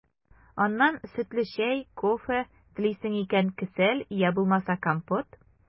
Аннан сөтле чәй, кофе, телисең икән – кесәл, йә булмаса компот.